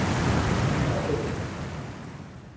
Афәрин!